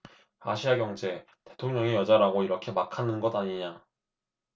아시아경제 대통령이 여자라고 이렇게 막 하는 것 아니냐